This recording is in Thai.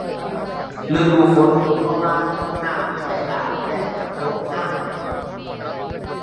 ฤดูฝน เพราะว่าน้ำไหลหลากและน้ำตกงาม